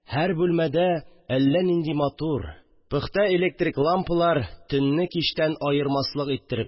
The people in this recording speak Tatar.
Һәр бүлмәдә әллә нинди матур пөхтә электрик лампалар төнне кичтән армаслык иттереп